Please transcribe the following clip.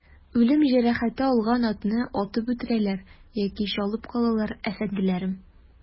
Үлем җәрәхәте алган атны атып үтерәләр яки чалып калалар, әфәнделәрем.